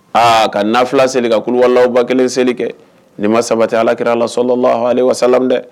Aa ka nafila seli ka kuluwalahu 1000 seli kɛ nin ma sabati alakira la lsalalahu ale wasalam dɛ